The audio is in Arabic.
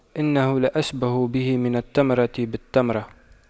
إنه لأشبه به من التمرة بالتمرة